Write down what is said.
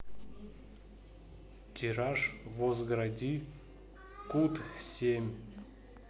тираж возгради cut семь